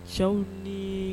Cɛw ni i